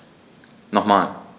Nochmal.